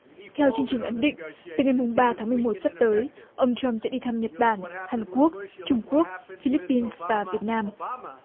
theo chương trình ấn định từ ngày mùng ba tháng mười một sắp tới ông troăm sẽ đi thăm nhật bản hàn quốc trung quốc phi líp pin và việt nam